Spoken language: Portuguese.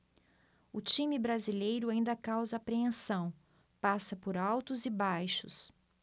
o time brasileiro ainda causa apreensão passa por altos e baixos